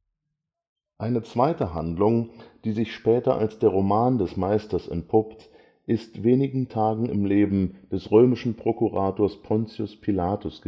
“. Eine zweite Handlung, die sich später als der Roman des Meisters entpuppt, ist wenigen Tagen im Leben des römischen Prokurators Pontius Pilatus